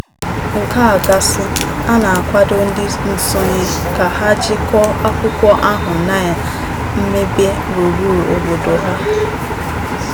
Nke a gasịa, a na-akwado ndị nsonye ka ha jikọọ akụkọ ahụ na mmebi gburugburu obodo ha.